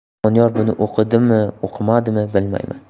doniyor buni uqdimi uqmadimi bilmayman